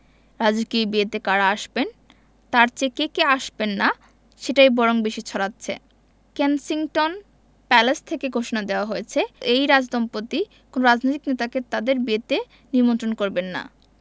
রাজকীয় এই বিয়েতে কারা আসবেন তার চেয়ে কে কে আসবেন না সেটিই বরং বেশি ছড়াচ্ছে কেনসিংটন প্যালেস থেকে ঘোষণা দেওয়া হয়েছে এই রাজদম্পতি কোনো রাজনৈতিক নেতাকে তাঁদের বিয়েতে নিমন্ত্রণ করবেন না